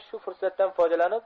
shu fursatdan foydalanib